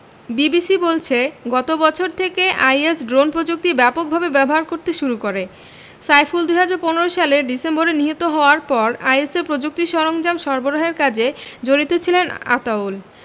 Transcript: বিবিসির বলছে গত বছর থেকে আইএস ড্রোন প্রযুক্তি ব্যাপকভাবে ব্যবহার করতে শুরু করে সাইফুল ২০১৫ সালের ডিসেম্বরে নিহত হওয়ার পর আইএসের প্রযুক্তি সরঞ্জাম সরবরাহের কাজে জড়িত ছিলেন আতাউল